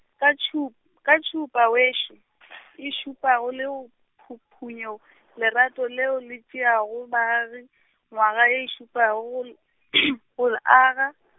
ka tšhup-, ka tšhupa wešo , e šupago le go phu- phunyo-, lerato leo le tšeago baagi, ngwaga e šupago go , go le aga.